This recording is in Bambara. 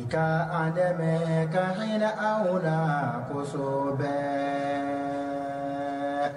I kaa an' dɛmɛ ka hinɛ anw naa kosɛbɛɛ